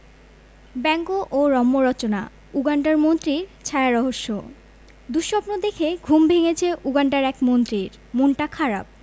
ব্যঙ্গ ও রম্যরচনা উগান্ডার মন্ত্রীর ছায়ারহস্য দুঃস্বপ্ন দেখে ঘুম ভেঙেছে উগান্ডার এক মন্ত্রীর মনটা খারাপ